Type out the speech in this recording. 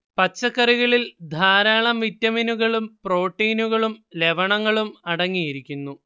പച്ചക്കറികളിൽ ധാരാളം വിറ്റാമിനുകളും പ്രോട്ടീനുകളും ലവണങ്ങളും അടങ്ങിയിരിക്കുന്നു